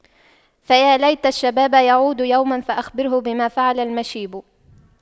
فيا ليت الشباب يعود يوما فأخبره بما فعل المشيب